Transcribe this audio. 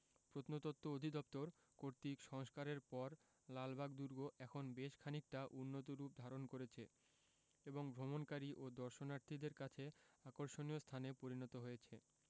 প্রত্নতত্ত্ব অধিদপ্তর কর্তৃক সংস্কারের পর লালবাগ দুর্গ এখন বেশ খানিকটা উন্নত রূপ ধারণ করেছে এবং ভ্রমণকারী ও দর্শনার্থীদের কাছে আকর্ষণীয় স্থানে পরিণত হয়েছে